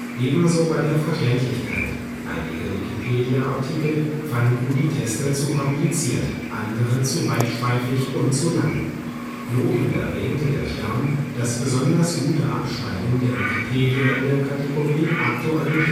Ebenso bei der Verständlichkeit; einige Wikipedia-Artikel fanden die Tester zu kompliziert, andere zu weitschweifig und zu lang. Lobend erwähnte der Stern das besonders gute Abschneiden der Wikipedia in der Kategorie „ Aktualität